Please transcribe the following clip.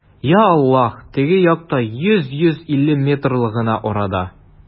Йа Аллаһ, теге якта, йөз, йөз илле метрлы гына арада!